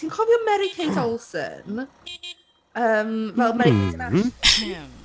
Ti’n cofio Mary-Kate Olsen? Yym, fel Mary-Kate and Ashley?